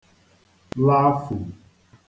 lafù